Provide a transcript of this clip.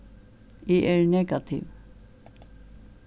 eg eri negativ